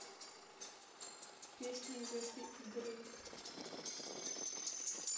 песня из этой игры